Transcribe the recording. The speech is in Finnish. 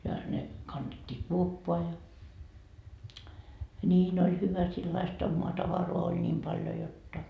ja ne kannettiin kuoppaan ja niin oli hyvä sellaista omaa tavaraa oli niin paljon jotta